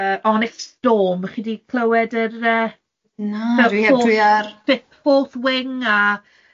yy Onyx Storm, chi 'di clywed yr yy... Na dwi ar dwi ar ...Fourth Wing a...